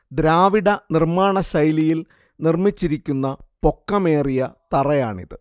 ദ്രാവിഡ നിർമ്മാണശൈലിയിൽ നിർമ്മിച്ചിരിക്കുന്ന പൊക്കമേറിയ തറയാണിത്